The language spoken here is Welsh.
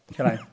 Cer 'mlaen.